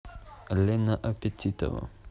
лена аппетитова